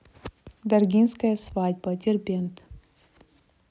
даргинская свадьба дербент